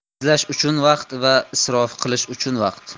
izlash uchun vaqt va isrof qilish uchun vaqt